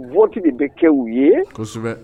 Butigi de bɛ kɛ u ye